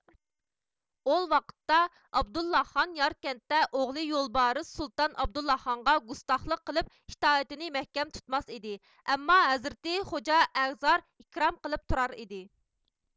ئول ۋاقىتتا ئابدۇللاھخان ياركەندتە ئوغلى يولبارىس سۇلتان ئابدۇللاھخانغا گۇستاخلىق قىلىپ ئىتائىتىنى مەھكەم تۇتماس ئىدى ئەمما ھەزرىتى خوجا ئەئىزاز ئىكرام قىلىپ تۇرارئىدى